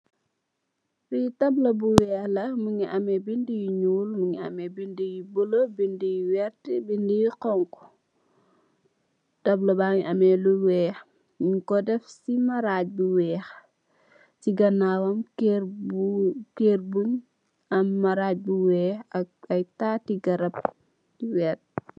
Fi taabla bu weeh la mungi ameh bind yu ñuul, mungi ameh, mungi ameh bind yu bulo, bind yu vert, bind yu honku. Taabla ba ngi ameh lu weeh nung ko deff ci maraj bu weeh. Ci ganaawam kër bu am maraj bu weeh ak ay tati garab yu vert.